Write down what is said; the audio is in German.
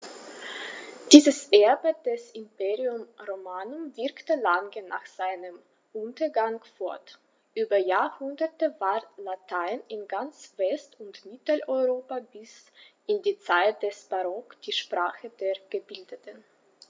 Dieses Erbe des Imperium Romanum wirkte lange nach seinem Untergang fort: Über Jahrhunderte war Latein in ganz West- und Mitteleuropa bis in die Zeit des Barock die Sprache der Gebildeten.